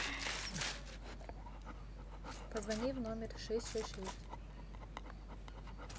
позвони в номер шесть шесть шесть